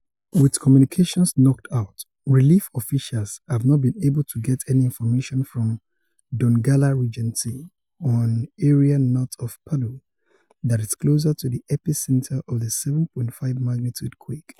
With communications knocked out, relief officials have not been able to get any information from Donggala regency, an area north of Palu that is closer to the epicenter of the 7.5 magnitude quake.